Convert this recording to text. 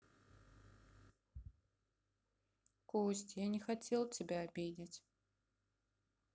кости я не хотел тебя обидеть